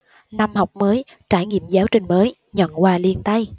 năm học mới trải nghiệm giáo trình mới nhận quà liền tay